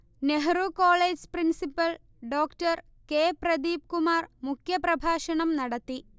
Nehru college principal Dr K Pradeepkumar മുഖ്യപ്രഭാഷണം നടത്തി